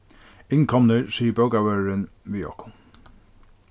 innkomnir sigur bókavørðurin við okkum